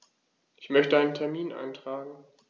Ich möchte einen Termin eintragen.